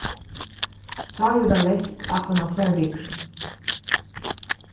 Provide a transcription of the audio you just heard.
sárið var lekt aftan á tvær vikur